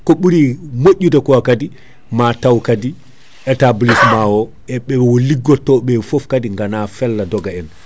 ko ɓuuri moƴƴude ko kaadi matwa kadi établissement o e ɓewo liggottoɓe foof kadi gona fella dogua en